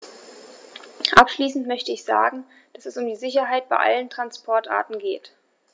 Abschließend möchte ich sagen, dass es um die Sicherheit bei allen Transportarten geht.